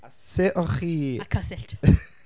A sut o'ch chi ...A Cysillt!